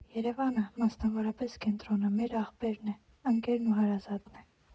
Երևանը, մասնավորապես կենտրոնը, մեր ախպերն է, ընկերն ու հարազատն է։